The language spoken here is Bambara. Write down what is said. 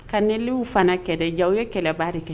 Ka nliw fana kɛlɛ ja ye kɛlɛbaari kɛ